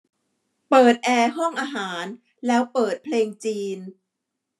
เปิดแอร์ห้องอาหารแล้วเปิดเพลงจีน